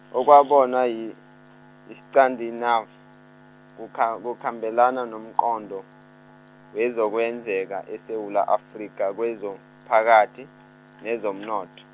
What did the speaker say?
okwabonwa yi- yi- Scandinavia kukha- kuhambelana nomqondo, wezokwenzeka eSewula Afrika kwezomphakathi, nezomnotho.